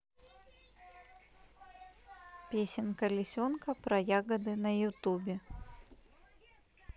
песенка лисенка про ягоды на ютубе